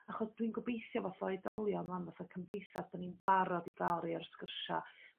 Achos dwi'n gob'ithio fath o oedolion 'wan fath a cymdeithas dyn ni'n barod i ga'l rei o'r sgwrsia'